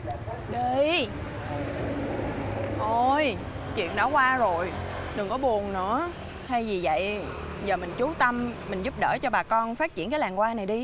đi thôi chuyện đã qua rồi đừng có buồn nữa thay vì dậy giờ mình chú tâm mình giúp cho bà con phát triển cái làng hoa này đi